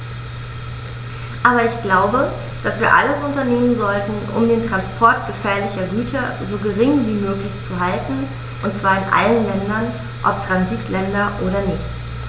Aber ich glaube, dass wir alles unternehmen sollten, um den Transport gefährlicher Güter so gering wie möglich zu halten, und zwar in allen Ländern, ob Transitländer oder nicht.